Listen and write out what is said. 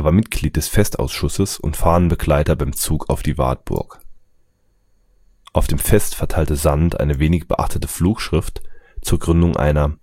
Mitglied des Festausschusses und Fahnenbegleiter beim Zug auf die Wartburg. Auf dem Fest verteilte Sand seine wenig beachtete Flugschrift zur Gründung einer